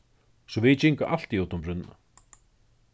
so vit gingu altíð út um brúnna